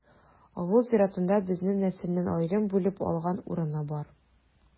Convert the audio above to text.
Авыл зиратында безнең нәселнең аерым бүлеп алган урыны бар.